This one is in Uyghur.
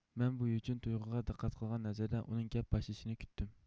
مەن بۇ يوچۇن تۇيغۇغا دىققەت قىلغان نەزەردە ئۇنىڭ گەپ باشلىشىنى كۈتتۈم